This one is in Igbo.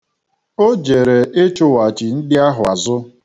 O jere ịchụ̄ghàchì ndị ahụ azụ.